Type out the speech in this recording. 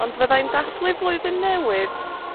Ond fyddai'n dathlu flwyddyn newydd